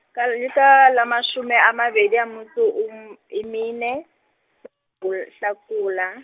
ka le ka la mashome a mabedi metso o m-, e mene, -bol-, Hlakola.